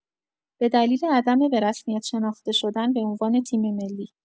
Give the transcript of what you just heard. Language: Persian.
به دلیل عدم به‌رسمیت شناخته شدن به‌عنوان تیم‌ملی